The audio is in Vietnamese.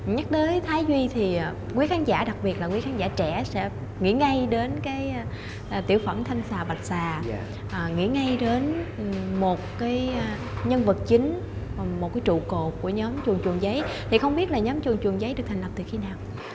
nhắc tới thái duy thì à quý khán giả đặc biệt là quý khán giả trẻ sẽ nghĩ ngay đến cái tiểu phẩm thanh xà bạch xà nghĩ ngay đến một cái nhân vật chính một cái trụ cột của nhóm chuồn chuồn giấy thì không biết là nhóm chuồn chuồn giấy được thành lập từ khi nào